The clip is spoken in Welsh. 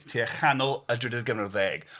Tua chanol y drydydd ganrif ar ddeg.